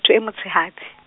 tho e motshehadi.